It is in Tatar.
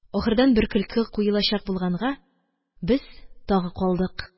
Ахырдан бер көлке куелачак булганга, без тагы калдык.